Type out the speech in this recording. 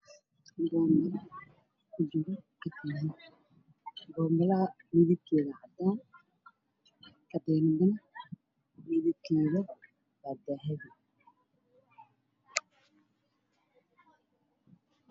Meeshaan waxaa fadhiyaan sadex wiilal oo quraan akhrinayaan oo khamiis wataan